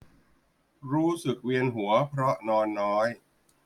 รู้สึกเวียนหัวเพราะนอนน้อย